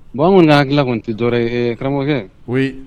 Bon' hakilikun tɛ tɔɔrɔ ye karamɔgɔkɛ koyi